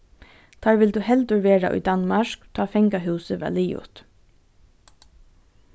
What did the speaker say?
teir vildu heldur verða í danmark tá fangahúsið var liðugt